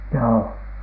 joo